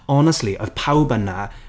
Honestly oedd pawb yna...